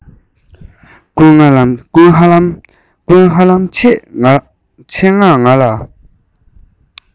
ཀུན ཧ ལམ ཆེད མངགས ང ལ